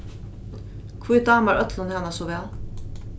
hví dámar øllum hana so væl